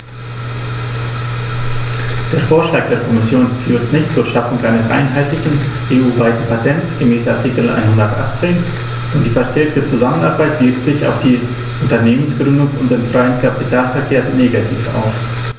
Der Vorschlag der Kommission führt nicht zur Schaffung eines einheitlichen, EU-weiten Patents gemäß Artikel 118, und die verstärkte Zusammenarbeit wirkt sich auf die Unternehmensgründung und den freien Kapitalverkehr negativ aus.